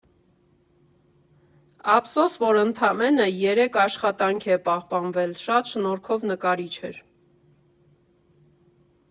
Ափսոս, որ ընդամենը երեք աշխատանք է պահպանվել, շատ շնորհքով նկարիչ էր։